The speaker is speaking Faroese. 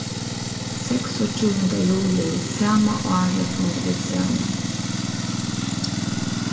seksogtjúgunda juli sama árið funnu vit saman